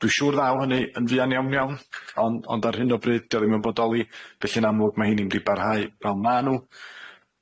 Dwi'n siŵr ddaw hynny yn fuan iawn iawn ond ond ar hyn o bryd di o ddim yn bodoli felly'n amlwg ma' hynny'n mynd i barhau fel ma' nw.